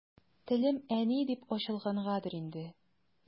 Телем «әни» дип ачылгангадыр инде.